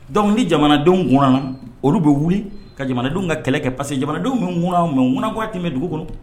Dɔnkuc ni jamanadenw kɔnɔna na olu bɛ wuli ka jamanadenw ka kɛlɛ kɛ pase jamanadenw min kun mɛ munnawa wagati bɛ dugu kɔnɔ